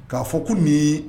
Ka fɔ ko nin